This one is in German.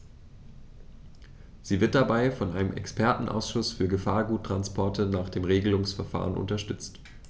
Sie wird dabei von einem Expertenausschuß für Gefahrguttransporte nach dem Regelungsverfahren unterstützt.